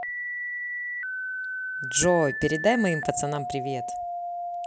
джой передай моим пацанам привет